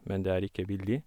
Men det er ikke billig.